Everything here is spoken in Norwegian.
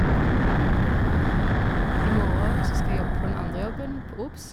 I morgen så skal jeg jobbe på den andre jobben, på Obs.